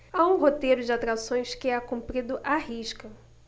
há um roteiro de atrações que é cumprido à risca